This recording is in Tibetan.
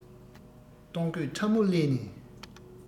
སྟོང སྐུད ཕྲ མོ བསླས ནས